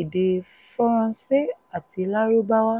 èdè Faransé àti Lárúbáwá.